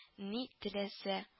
Ни теләсә